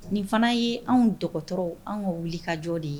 Nin fana ye anw dɔgɔtɔrɔw anw ka wuli kajɔ de ye